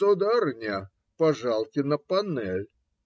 - Сударыня, пожалуйте на панель!